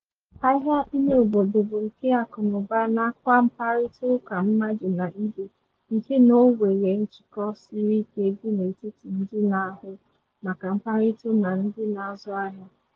Ahịa ime obodo bụ nke akụnaụba nakwa mkparịta mmadụ na ibe nke na o nwere njikọ siri ike dị na-etiti ndị na-ahụ maka mkparịta na ndị na-azụ ahịa.